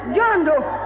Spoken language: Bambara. jɔn don